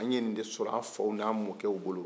an ye nin de sɔrɔ an fa n'a mɔcɛw bolo